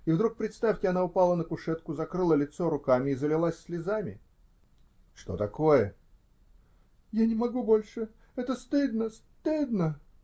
И вдруг, представьте, она упала на кушетку, закрыла лицо руками и залилась слезами: -- Что такое? -- Я не могу больше! Это стыдно, стыдно!.